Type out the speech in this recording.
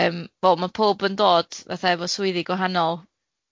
yym wel ma' powb yn dod fatha efo swyddi gwahanol.